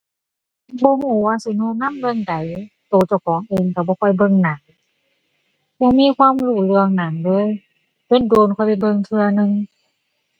บ่รู้ว่าสิแนะนำเรื่องใด รู้เจ้าของเองรู้บ่ค่อยเบิ่งหนัง บ่มีความรู้เรื่องหนังเลย โดนโดนค่อยไปเบิ่งเทื่อหนึ่ง